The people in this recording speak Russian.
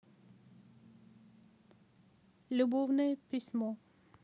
любовное письмо